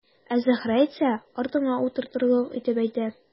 Ә Зөһрә әйтсә, артыңа утыртырлык итеп әйтә.